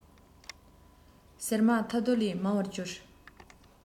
ཟེགས མ ཐལ རྡུལ ལས མང བར གྱུར